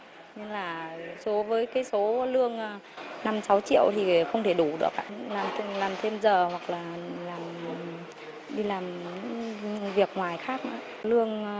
như là số với cái số lương năm sáu triệu thì không thể đủ được ạ làm thêm giờ hoặc là làm đi làm những việc ngoài khác nữa ạ lương